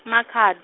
Makhad-.